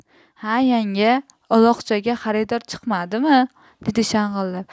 ha yanga uloqchaga xaridor chiqmadimi dedi shang'illab